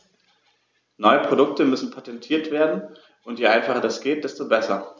Neue Produkte müssen patentiert werden, und je einfacher das geht, desto besser.